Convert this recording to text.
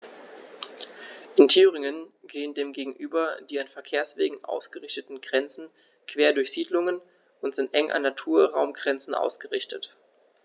In Thüringen gehen dem gegenüber die an Verkehrswegen ausgerichteten Grenzen quer durch Siedlungen und sind eng an Naturraumgrenzen ausgerichtet.